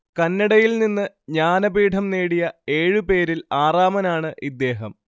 കന്നഡയിൽ നിന്നും ജ്ഞാനപീഠം നേടിയ ഏഴുപേരിൽ ആറാമനാണ് ഇദ്ദേഹം